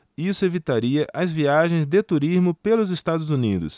isso evitaria as viagens de turismo pelos estados unidos